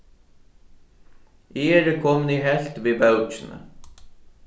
eg eri komin í helvt við bókini